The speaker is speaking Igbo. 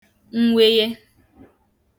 mweye